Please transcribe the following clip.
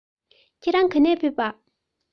ཁྱེད རང ག ནས ཕེབས པས